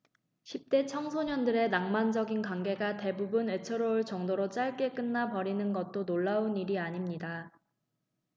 십대 청소년들의 낭만적인 관계가 대부분 애처로울 정도로 짧게 끝나 버리는 것도 놀라운 일이 아닙니다